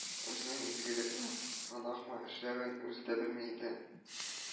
Үзенең изгелекме, гонаһмы эшләвен үзе дә белми иде